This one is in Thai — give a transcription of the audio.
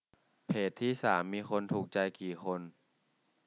เพจที่สามมีคนถูกใจกี่คน